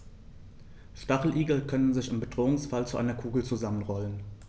Stacheligel können sich im Bedrohungsfall zu einer Kugel zusammenrollen.